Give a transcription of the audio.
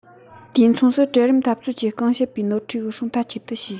དུས མཚུངས སུ གྲལ རིམ འཐབ རྩོད ཀྱིས རྐང བྱེད པའི ནོར འཁྲུལ ཡོ བསྲང མཐའ གཅིག ཏུ བྱས